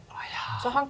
å ja.